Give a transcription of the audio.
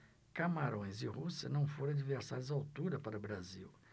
camarões e rússia não foram adversários à altura para o brasil